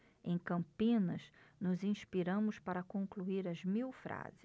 em campinas nos inspiramos para concluir as mil frases